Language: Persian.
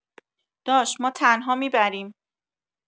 داش ما تنها می‌بریم